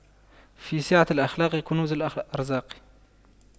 في سعة الأخلاق كنوز الأرزاق